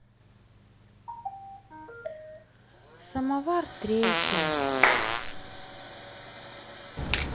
самовар треффин